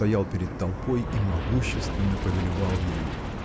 стоял перед толпой и могущественно повелевал ею.